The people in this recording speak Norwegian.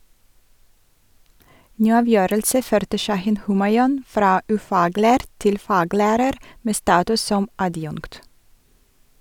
Ny avgjørelse førte Shahin Homayoun fra ufaglært til faglærer med status som adjunkt.